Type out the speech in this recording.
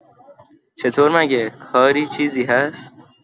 چطور مگه، کاری چیزی هست؟